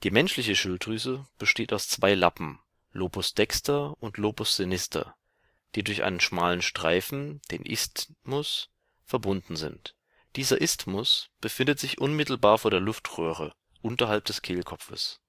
menschliche Schilddrüse besteht aus zwei Lappen (Lobus dexter und Lobus sinister), die durch einen schmalen Streifen (Isthmus) verbunden sind. Dieser Isthmus befindet sich unmittelbar vor der Luftröhre unterhalb des Kehlkopfs